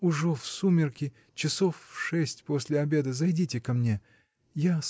Ужо, в сумерки, часов в шесть после обеда, зайдите ко мне — я.